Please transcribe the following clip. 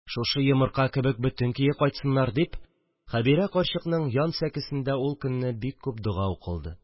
«шушы йомырка кебек бөтен көе кайтсыннар», дип хәбирә карчыкның ян сәкесендә ул көнне бик күп дога укылды